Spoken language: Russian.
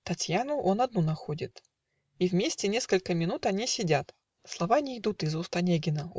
Татьяну он одну находит, И вместе несколько минут Они сидят. Слова нейдут Из уст Онегина.